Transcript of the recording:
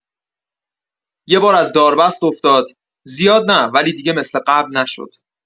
یه بار از داربست افتاد، زیاد نه، ولی دیگه مثل قبل نشد.